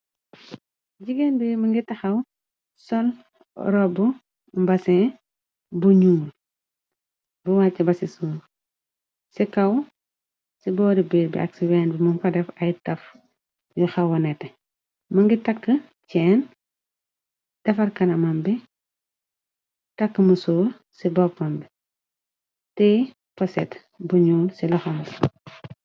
Gigéen bi më ngi taxaw sol rob mbasin buñuul bu wàcc basisur ci kaw ci boori biir bi ak ci ween bi mu padef ay taf yu xawonete më ngi takk ceen defar kana mam bi tàkk muso ci boppambi te poset bu ñuul ci loxam.